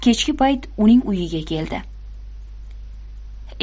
kechki payt uning uyiga keldi